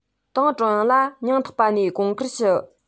ཏང ཀྲུང དབྱང ལ སྙིང ཐག པ ནས གོང བཀུར ཞུ